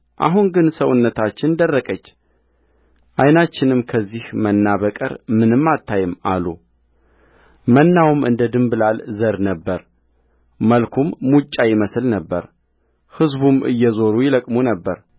አሁን ግን ሰውነታችን ደረቀች ዓይናችንም ከዚህ መና በቀር ምንም አታይም አሉመናውም እንደ ድንብላል ዘር ነበረ መልኩም ሙጫ ይመስል ነበርሕዝቡም እየዞሩ ይለቅሙ ነበር